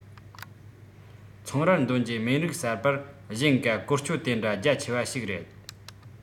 ཚོང རར འདོན རྒྱུའི སྨན རིགས གསར པར གཞན འགའ བཀོལ སྤྱོད དེ འདྲ རྒྱ ཆེ བ ཞིག རེད